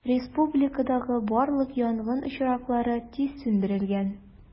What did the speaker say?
Республикадагы барлык янгын очраклары тиз сүндерелгән.